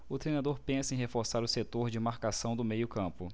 o treinador pensa em reforçar o setor de marcação do meio campo